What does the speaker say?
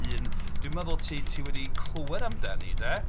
Un dwi'n meddwl ti wedi clywed amdani 'de.